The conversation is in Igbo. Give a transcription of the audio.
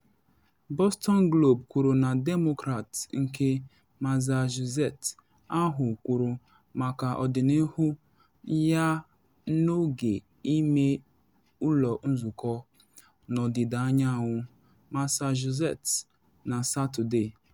Boston Globe kwuru na Demokrat nke Massachusetts ahụ kwuru maka ọdịnihu ya n’oge ime ụlọ nzụkọ n’ọdịda anyanwụ Massachusetts na Satọde.